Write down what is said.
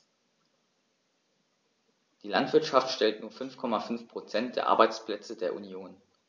Die Landwirtschaft stellt nur 5,5 % der Arbeitsplätze der Union.